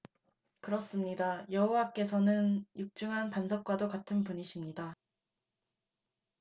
그렇습니다 여호와께서는 육중한 반석과도 같은 분이십니다